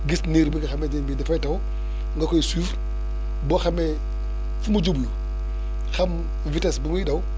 gis niir bi nga xamante ne bii dafay taw nga koy suivre boo xamee fi mu jublu xam vitesse bu muy daw